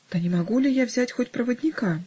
"Да не могу ли взять хоть проводника?